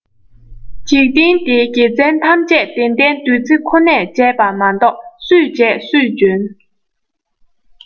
འཇིག རྟེན འདིའི དགེ མཚན ཐམས ཅད བདེ ལྡན བདུད རྩི ཁོ ནས བྱས པ མ གཏོགས སུས བྱས སུས འཇོན